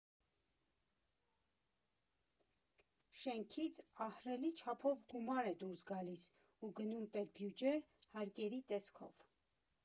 Շենքից ահռելի չափով գումար է դուրս գալիս ու գնում պետբյուջե՝ հարկերի տեսքով։